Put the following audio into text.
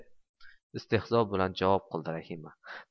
istehzo bilan javob qildi rahima